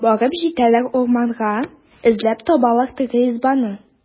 Барып җитәләр урманга, эзләп табалар теге ызбаны.